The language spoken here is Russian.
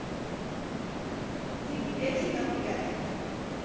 ты блядина блядь